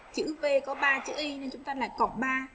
chữ v có ba chữ y